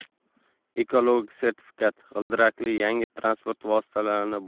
ekologik sertifikat g'ildirakli yangi transport vositasini